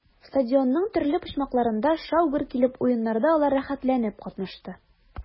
Стадионның төрле почмакларында шау-гөр килеп уеннарда алар рәхәтләнеп катнашты.